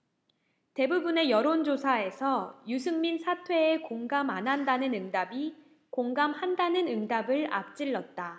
대부분의 여론조사에서 유승민 사퇴에 공감 안 한다는 응답이 공감한다는 응답을 앞질렀다